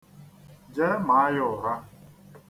Jee maa ya ụra.